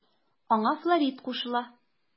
Аңа Флорид кушыла.